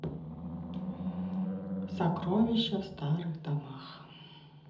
сокровища в старых домах